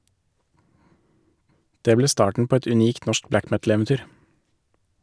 Det ble starten på et unikt norsk black metal-eventyr.